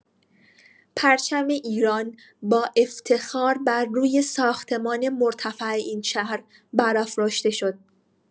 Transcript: پرچم ایران با افتخار بر روی ساختمان مرتفع این شهر برافراشته شد.